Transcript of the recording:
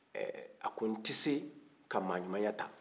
ɛ a ko n tɛ se ka maaɲumanya ta